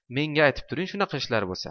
aytib turing shunaqa ishla bo'sa